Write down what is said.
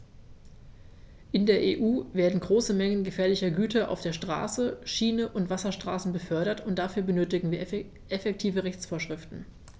In der EU werden große Mengen gefährlicher Güter auf der Straße, Schiene und Wasserstraße befördert, und dafür benötigen wir effektive Rechtsvorschriften.